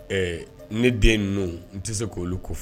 Ɛɛ ne den in n n tɛ se k'olu ko kɔfɛ